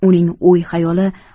uning o'y xayoli